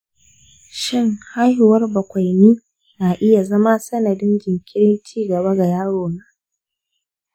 shin haihuwar bakwaini na iya zama sanadin jinkirin ci gaba ga yaro?